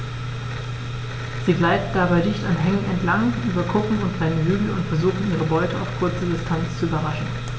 Sie gleiten dabei dicht an Hängen entlang, über Kuppen und kleine Hügel und versuchen ihre Beute auf kurze Distanz zu überraschen.